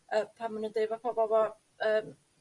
Yy pan ma' nw'n deud fo' pobl fo yy